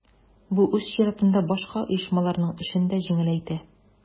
Бу үз чиратында башка оешмаларның эшен дә җиңеләйтә.